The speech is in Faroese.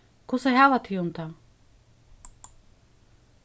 hvussu hava tygum tað